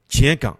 Tiɲɛ kan